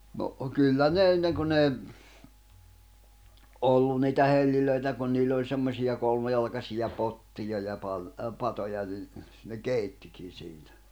no kyllä ne ennen kun ei ollut niitä helloja kun niillä oli semmoisia kolmijalkaisia pottia ja -- patoja niin ne keittikin siinä